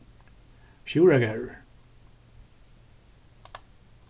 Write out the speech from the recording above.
sjúrðargarður